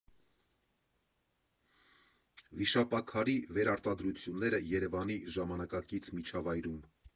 Վիշապաքարերի վերարտադրությունները Երևանի ժամանակակից միջավայրում։